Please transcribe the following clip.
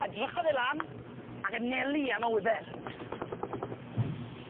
a 'drychodd e lan, ag aneli am y wiber.